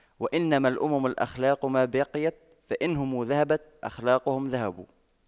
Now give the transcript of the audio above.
وإنما الأمم الأخلاق ما بقيت فإن هم ذهبت أخلاقهم ذهبوا